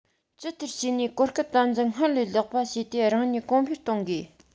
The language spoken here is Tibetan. ཇི ལྟར བྱས ནས གོ སྐབས དམ འཛིན སྔར ལས ལེགས པ བྱས ཏེ རང ཉིད གོང འཕེལ གཏོང དགོས